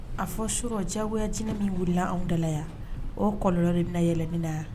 A fɔ su cɛwgoyatinɛ min wulila anw dalalaya o kɔlɔnlɔ de bɛ na yɛlɛ ni na yan